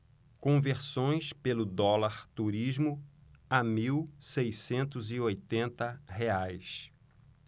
conversões pelo dólar turismo a mil seiscentos e oitenta reais